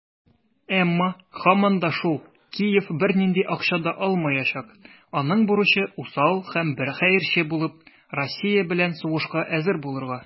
Әмма, һаман да шул, Киев бернинди акча да алмаячак - аның бурычы усал һәм хәерче булып, Россия белән сугышка әзер булырга.